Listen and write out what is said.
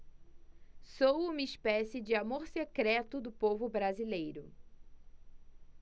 sou uma espécie de amor secreto do povo brasileiro